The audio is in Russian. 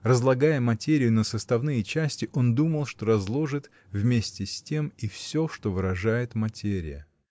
Разлагая материю на составные части, он думал, что разложил вместе с тем и всё, что выражает материя.